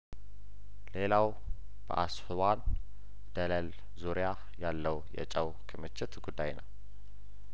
ሌላው በአስዋን ደለል ዙሪያያለው የጨው ክምችት ጉዳይ ነው